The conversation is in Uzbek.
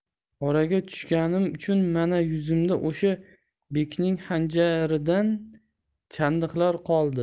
oraga tushganim uchun mana yuzimda o'sha bekning xanja ridan chandiqlar qoldi